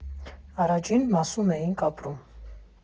Առաջին մասում էինք ապրում։